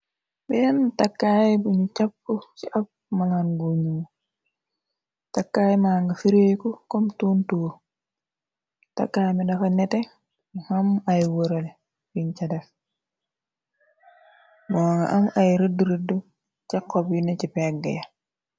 Beneenn takkaay biñu càpp ci ab malaan guñu takkaay manga fireeku kom tontuo takaami dafa nete bi xam ay wërale fin ca def moo nga am ay rëdd rëdd ca xob yina ci pegg ya.